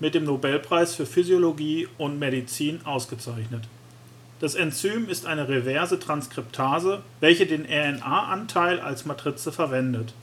dem Nobelpreis für Physiologie oder Medizin ausgezeichnet. Das Enzym ist eine reverse Transkriptase, welche den RNA-Anteil als Matrize verwendet